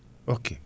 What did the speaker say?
ok